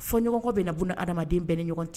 Fɔɲɔgɔnkɔ bɛ na buna hadamaden bɛɛ ni ɲɔgɔn cɛ